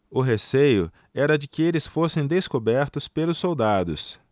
o receio era de que eles fossem descobertos pelos soldados